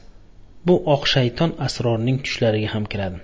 bu oq shayton srorning tushlariga xam kiradi